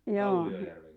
joo